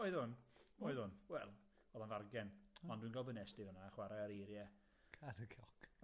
Oeddwn, oeddwn, wel, o'dd o'n fargen, ond dwi'n gwybo be' nest ti fanna chwara ar eiriau. Gad y goc!